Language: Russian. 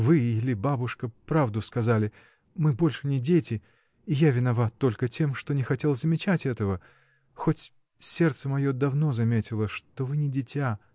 — Вы или бабушка правду сказали: мы больше не дети, и я виноват только тем, что не хотел замечать этого, хоть сердце мое давно заметило, что вы не дитя.